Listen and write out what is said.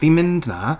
Fi'n mynd 'na...